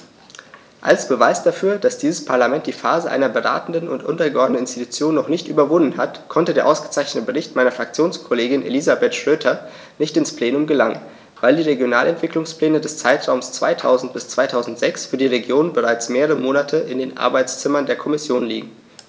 Als Beweis dafür, dass dieses Parlament die Phase einer beratenden und untergeordneten Institution noch nicht überwunden hat, konnte der ausgezeichnete Bericht meiner Fraktionskollegin Elisabeth Schroedter nicht ins Plenum gelangen, weil die Regionalentwicklungspläne des Zeitraums 2000-2006 für die Regionen bereits mehrere Monate in den Arbeitszimmern der Kommission liegen.